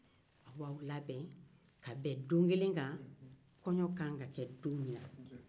a b'aw labɛn ka bɛn don kelen kan kɔɲɔ ka kan ka kɛ don min na